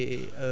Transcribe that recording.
yaatu